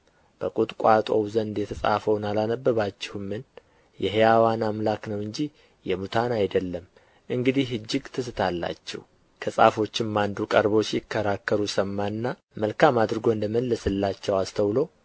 በቍጥቋጦው ዘንድ የተጻፈውን አላነበባችሁምን የሕያዋን አምላክ ነው እንጂ የሙታን አይደለም እንግዲህ እጅግ ትስታላችሁ ከጻፎችም አንዱ ቀርቦ ሲከራከሩ ሰማና መልካም አድርጎ እንደ መለሰላቸው አስተውሎ